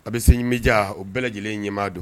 A bɛ se ɲi bɛja o bɛɛ lajɛlen ɲɛmaa don